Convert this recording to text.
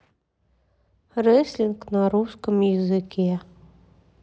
реслинг на русском языке